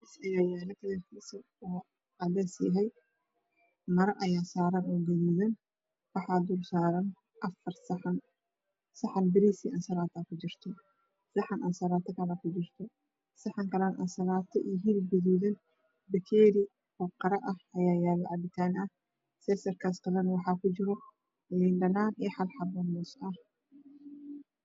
Miis ayaa yaalo oo kalrkisa cadees yaahy Mara ayaa saran o gaduudan waxaa dul saran afar saxan saxan pariis iyo ansalataa ku jirto sax aslaata ku jirto saxan kale ansalato iyo hilipgaduudan pakeeri ooqara ayaa yaala capitan ah seesarkaas kale waxa ku jiro liindhanan halaxapo moos ah